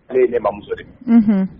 E ye ne mamuso de ye